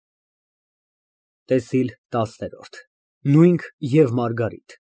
ՏԵՍԻԼ ՏԱՍՆԵՐՈՐԴ ՆՈՒՅՆՔ ԵՎ ՄԱՐԳԱՐԻՏ։